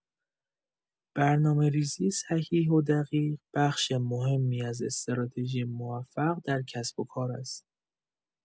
برنامه‌ریزی صحیح و دقیق، بخش مهمی از استراتژی موفق در کسب‌وکار است.